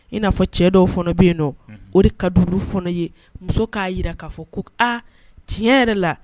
I n'a fɔ cɛ dɔw fana bɛ yen don o de ka duuru fana ye muso k'a jira k'a fɔ ko aa tiɲɛ yɛrɛ la